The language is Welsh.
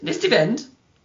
Wnest ti fynd?